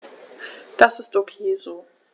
Das ist ok so.